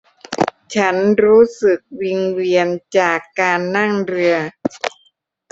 ฉันรู้สึกวิงเวียนจากการนั่งเรือ